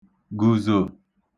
gùzò